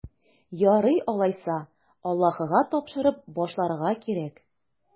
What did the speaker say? Ярый алайса, Аллаһыга тапшырып башларга кирәк.